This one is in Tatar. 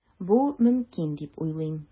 Бу мөмкин дип уйлыйм.